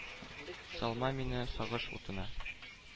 Салма мине сагыш утына.